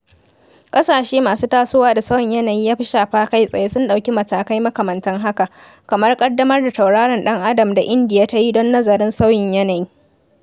Ƙasashe masu tasowa da sauyin yanayi ya fi shafa kai-tsaye sun ɗauki matakai makamantan haka, kamar ƙaddamar da tauraron ɗan adam da Indiya ta yi don nazarin sauyin yanayi.